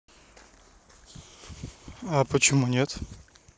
а почему нет